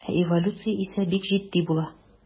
Ә эволюция исә бик җитди була.